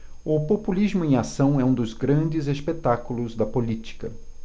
o populismo em ação é um dos grandes espetáculos da política